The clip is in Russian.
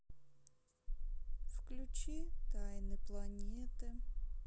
включи тайны планеты